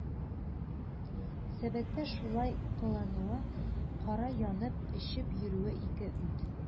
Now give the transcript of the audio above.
Сәбәттә шулай кылануы, кара янып, эчеп йөрүе ике ут